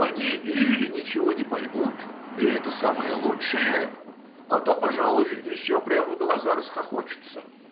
они или ничего не поймут, и это самое лучшее, а то, пожалуй, еще прямо в глаза расхохочутся.